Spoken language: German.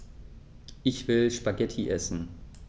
Ich will Spaghetti essen.